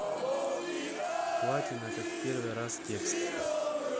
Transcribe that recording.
платина как в первый раз текст